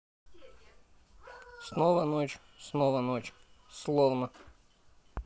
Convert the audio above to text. снова ночь снова ночь словно